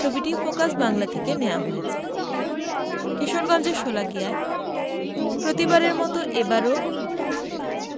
ছবিটি ফোকাস বাংলা থেকে নেয়া হয়েছে কিশোরগঞ্জের শোলাকিয়ায় প্রতিবারের মতো এবারও